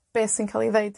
beth sy'n ca'l i ddeud.